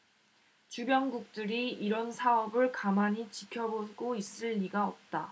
주변국들이 이런 사업을 가만히 지켜보고 있을 리가 없다